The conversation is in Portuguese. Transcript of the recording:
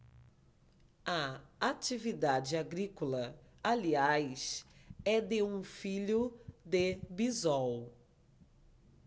a atividade agrícola aliás é de um filho de bisol